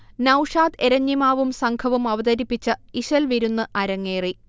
നൗഷാദ് എരഞ്ഞിമാവും സംഘവും അവതരിപ്പിച്ച ഇശൽവിരുന്ന് അരങ്ങേറി